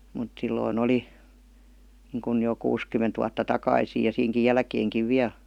mutta silloin oli niin kuin jo kuusikymmentä vuotta takaisin ja siinäkin jälkeenkin vielä